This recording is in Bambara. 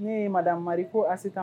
N ye mada mariri ko ayise kan